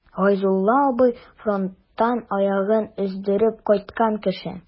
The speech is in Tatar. Гайзулла абый— фронттан аягын өздереп кайткан кеше.